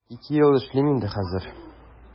Ике ел эшлим инде хәзер.